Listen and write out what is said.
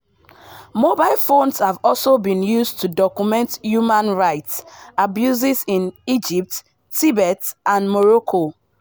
Mobile phones have also been used to document human rights abuses, in Egypt, Tibet and Morocco.